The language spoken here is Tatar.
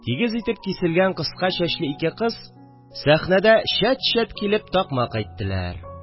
Тигез итеп киселгән кыска чәчле ике кыз сәхнәдә чәт-чәт килеп такмак әйттеләр